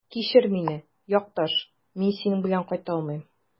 Кичер мине, якташ, мин синең белән кайта алмыйм.